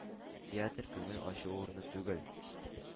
Театр – күңел ачу урыны түгел,